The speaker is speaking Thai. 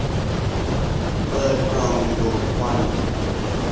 เปิดปล่องดูดควัน